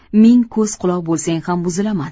ming ko'z quloq boisang ham buzilaman